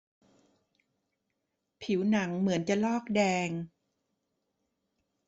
ผิวหนังเหมือนจะลอกแดง